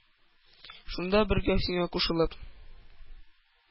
Шунда бергә, сиңа кушылып?